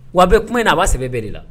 Wa a be kuma in na a b'a sɛbɛ bɛɛ de la